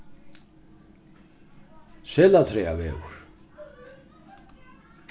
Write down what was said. selatraðarvegur